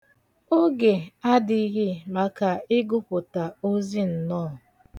Oge adịghị maka ịgụpụta ozi nnọọ.